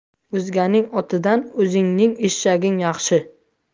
o'zganing otidan o'zingning eshaging yaxshi